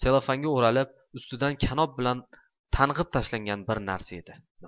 tsellofanga o'ralib ustidan kanop bilan tang'ib tashlangan bir narsa edi